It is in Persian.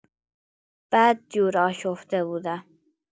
بدجور آشفته بودم.